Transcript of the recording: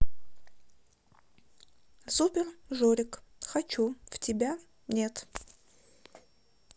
супер жорик хочу в тебя нет